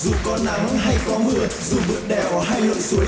dù có nắng hay có mưa dù vượt đèo hay lội suối